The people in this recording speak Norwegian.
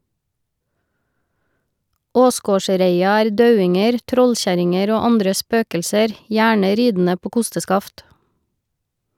Åsgårdsreia er daudinger, trollkjerringer, og andre spøkelser , gjerne ridende på kosteskaft.